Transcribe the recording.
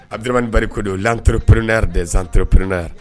Abirimanibari ko don tpreprenenre de zantteprɛ ye